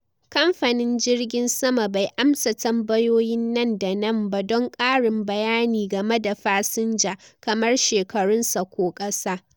Kamfanin jirgin sama bai amsa tambayoyin nan da nan ba don ƙarin bayani game da fasinja, kamar shekarunsa ko kasa